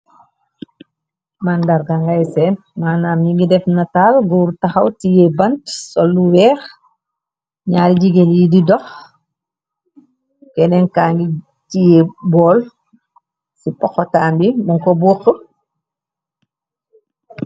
Màndarga ngay sen manaam ñi ngi def nataal góoru taxaw tiyee bant sa lu weex, ñaari jigén yi di dox kenenka ngi tiyee bool ci poxotaan bi munko boox.